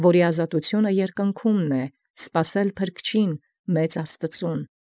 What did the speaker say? Որոյ ազատութիւնն յերկինս է, ակն ունել փրկչին մեծին Աստուծոյ։